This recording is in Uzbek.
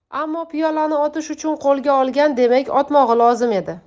ammo piyolani otish uchun qo'lga olgan demak otmog'i lozim edi